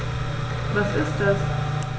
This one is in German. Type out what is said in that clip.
Was ist das?